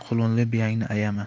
qulunli biyangni ayama